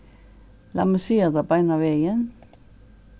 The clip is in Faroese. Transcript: lat meg siga tað beinanvegin